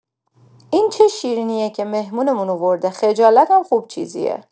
این چه شیرینی که مهمونمون آورده، خجالتم خوب چیزیه!